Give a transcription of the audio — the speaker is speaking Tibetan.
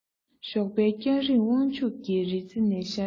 ཞོགས པའི སྐྱ རེངས དབང ཕྱོགས ཀྱི རི རྩེ ནས ཤར དུས